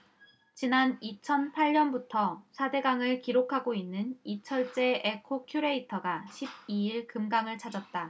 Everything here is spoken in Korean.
지난 이천 팔 년부터 사 대강을 기록하고 있는 이철재 에코큐레이터가 십 이 일 금강을 찾았다